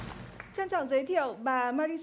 trân trọng giới thiệu bà ma li